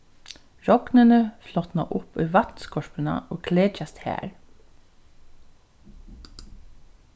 rognini flotna upp í vatnskorpuna og klekjast har